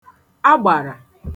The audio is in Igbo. àgbàrà